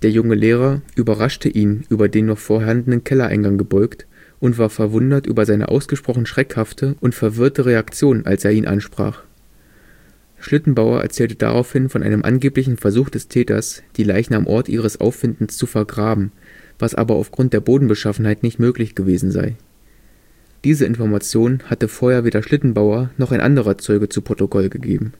junge Lehrer überraschte ihn über den noch vorhandenen Kellereingang gebeugt und war verwundert über seine ausgesprochen schreckhafte und verwirrte Reaktion, als er ihn ansprach. Schlittenbauer erzählte daraufhin von einem angeblichen Versuch des Täters, die Leichen am Ort ihres Auffindens zu vergraben, was aber aufgrund der Bodenbeschaffenheit nicht möglich gewesen sei. Diese Information hatte vorher weder Schlittenbauer noch ein anderer Zeuge zu Protokoll gegeben